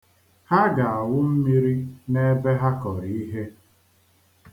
Ha ga-awụ mmiri n'ebe ha kọrọ ihe.